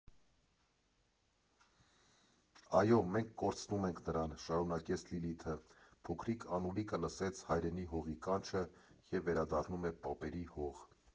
֊ Այո, մենք կորցնում ենք նրան, ֊ շարունակեց Լիլիթը, ֊ փոքրիկ Անուլիկը լսեց հայրենի հողի կանչը և վերադառնում է պապերի հող։